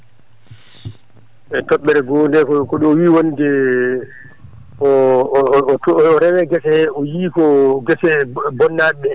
e toɓɓere go nde koy koɗo wi wonde o rewe gese hee o yiyii ko gese bonnaaɗe ɗe